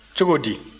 cogo di